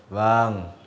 vâng